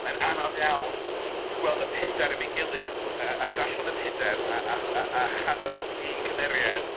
Mae'n anodd iawn gweld y pedair efo'i gilydd a darllen y pedair a ch- a chanfod un cymeriad...